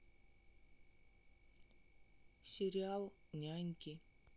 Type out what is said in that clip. сериал няньки